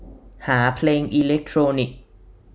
หาเพลงอิเลกโทรนิค